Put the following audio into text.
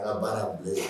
An ka baara bila yen.